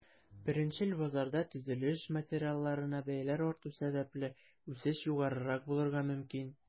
Беренчел базарда, төзелеш материалларына бәяләр арту сәбәпле, үсеш югарырак булырга мөмкин.